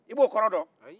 i b'o kɔrɔ dɔn